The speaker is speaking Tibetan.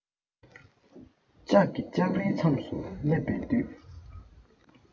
ལྕགས ཀྱི ལྕགས རིའི མཚམས སུ སླེབས པའི དུས